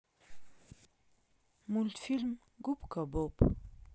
мультфильм губка боб